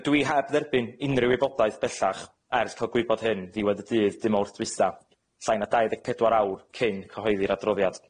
Dydw i heb dderbyn unrhyw wybodaeth bellach ers ca'l gwybod hyn, ddiwedd y dydd dy' Mawrth dwytha, llai na dau ddeg pedwar awr cyn cyhoeddi'r adroddiad.